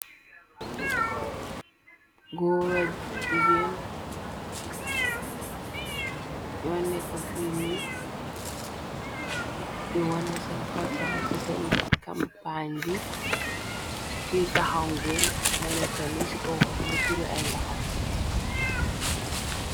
Goorag jigeen ñoo nekka fiirni di wone seen kortaxni ci seen kampaan di kiy taxanguul mo neka ni ci ko wota li firi ay loxaf.